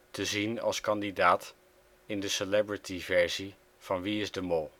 te zien als kandidaat in de celebrityversie van Wie is de Mol